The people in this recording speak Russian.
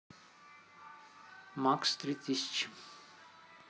макс три тысячи